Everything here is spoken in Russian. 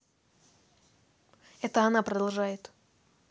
это пизда продолжает